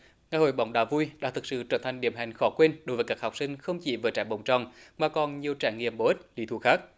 ngày hội bóng đá vui đã thực sự trở thành điểm hẹn khó quên đối với các học sinh không chỉ với trái bóng tròn mà còn nhiều trải nghiệm bổ ích lý thú khác